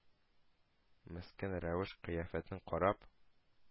Мескен рәвеш-кыяфәтен карап,